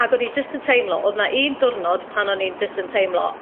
ag o'n i jyst yn teimlo odd 'na un diwrnod pan o'n i'n jyst yn teimlo